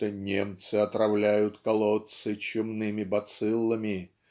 что "немцы отравляют колодцы чумными бациллами